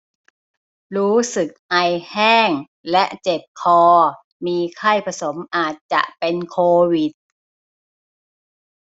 รู้สึกไอแห้งและเจ็บคอมีไข้ผสมอาจจะเป็นโควิด